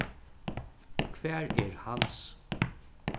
hvar er hans